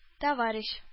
Товарищ